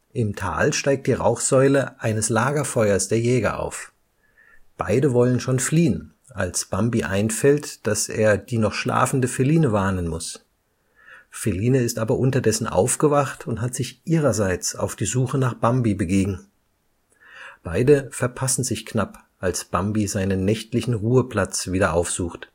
Im Tal steigt die Rauchsäule eines Lagerfeuers der Jäger auf. Beide wollen schon fliehen, als Bambi einfällt, dass er die noch schlafende Feline warnen muss. Feline ist aber unterdessen aufgewacht und hat sich ihrerseits auf die Suche nach Bambi begeben. Beide verpassen sich knapp, als Bambi seinen nächtlichen Ruheplatz wieder aufsucht